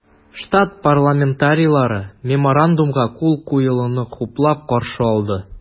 Штат парламентарийлары Меморандумга кул куелуны хуплап каршы алды.